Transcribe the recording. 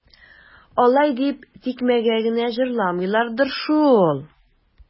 Алай дип тикмәгә генә җырламыйлардыр шул.